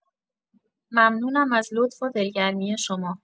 ممنونم از لطف و دلگرمی شما